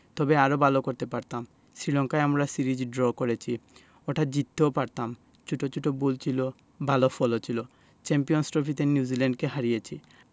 তবে আরও ভালো করতে পারতাম শ্রীলঙ্কায় আমরা সিরিজ ড্র করেছি ওটা জিততেও পারতাম ছোট ছোট ভুল ছিল ভালো ফলও ছিল চ্যাম্পিয়নস ট্রফিতে নিউজিল্যান্ডকে হারিয়েছি